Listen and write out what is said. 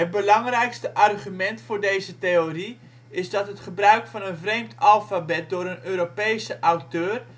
belangrijkste argument voor deze theorie is dat het gebruik van een vreemd alfabet door een Europese auteur